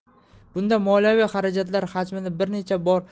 bunda moliyaviy xarajatlar hajmini bir